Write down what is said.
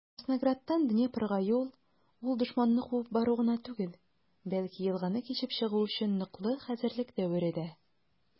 Краснограддан Днепрга юл - ул дошманны куып бару гына түгел, бәлки елганы кичеп чыгу өчен ныклы хәзерлек дәвере дә.